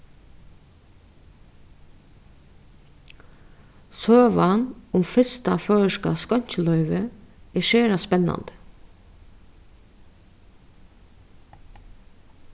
søgan um fyrsta føroyska skeinkiloyvið er sera spennandi